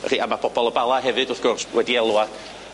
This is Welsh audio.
Felly a ma' bobol o Bala hefyd wrth gwrs wedi elwa.